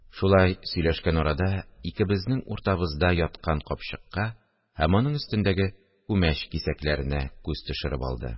Шулай сөйләшкән арада, икебезнең уртабызда яткан капчыкка һәм аның өстендәге күмәч кисәкләренә күз төшереп алды